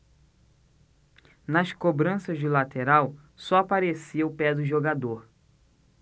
nas cobranças de lateral só aparecia o pé do jogador